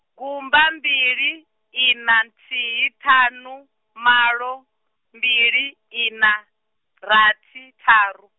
gumba mbili, ina nthihi ṱhanu, malo, mbili ina, rathi ṱharu.